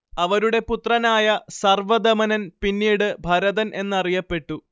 അവരുടെ പുത്രനായ സർവദമനൻ പിന്നീട് ഭരതൻ എന്നറിയപ്പെട്ടു